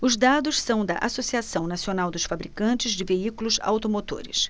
os dados são da anfavea associação nacional dos fabricantes de veículos automotores